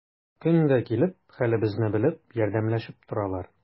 Көн дә килеп, хәлебезне белеп, ярдәмләшеп торалар.